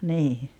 niin